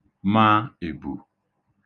mā èbù